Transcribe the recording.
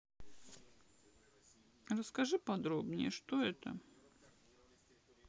расскажи подробнее что это